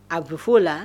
A be f'o la